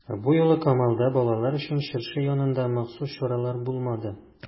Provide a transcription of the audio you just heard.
Бу юлы Камалда балалар өчен чыршы янында махсус чаралар булмады.